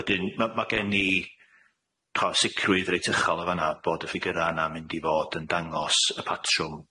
Wedyn ma' ma' gen i ch'od sicrwydd reit uchel yn fan 'na bod y ffigyra yna'n mynd i fod yn dangos y patrwm